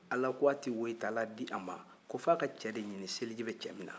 ala ko a tɛ woyitala di a ma ko f'a ka cɛ de ɲinin seliji bɛ cɛ minna